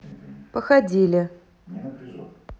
походили